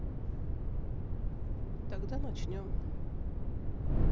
тогда начнем